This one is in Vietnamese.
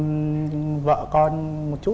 ừm ừm vợ con một chút